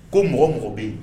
Ko mɔgɔ mɔgɔ bɛ yen